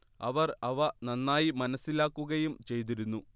അവർ അവ നന്നായി മനസ്സിലാക്കുകയും ചെയ്തിരുന്നു